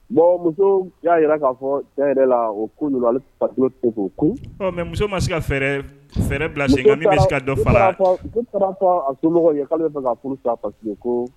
Bon muso y'a jira k'a fɔ diya yɛrɛ la o ko ale mɛ muso ma se ka fɛ fɛrɛɛrɛ bila ka dɔ'ale fɛ furu pa ko